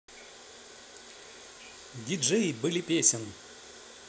dj были песен